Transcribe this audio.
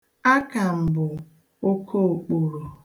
Aka m bụ okookporo.